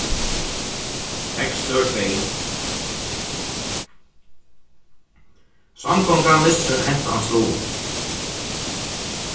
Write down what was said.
tekstur tvey samgongan missir hentan stuðul